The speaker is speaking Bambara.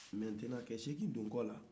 mɛntenan cɛ seegin donnen kɔ